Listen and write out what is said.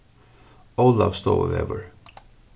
ólavsstovuvegur